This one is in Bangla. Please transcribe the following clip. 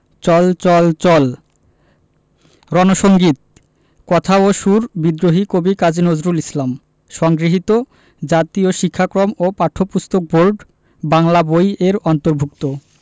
চল চল চল রন সঙ্গীত কথা ও সুর বিদ্রোহী কবি কাজী নজরুল ইসলাম সংগৃহীত জাতীয় শিক্ষাক্রম ও পাঠ্যপুস্তক বোর্ড বাংলা বই এর অন্তর্ভুক্ত